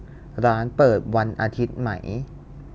ร้านเปิดวันอาทิตย์ไหม